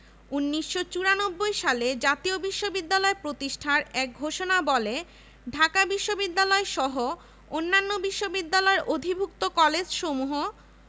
যেসব মনীষীর অবদানে বিশ্ববিদ্যালয়টির ঐতিহ্য গড়ে উঠেছে তাঁদের মধ্যে রয়েছেন মহামহোপাধ্যায় Haraprasad Shastri A C Turner G H Langley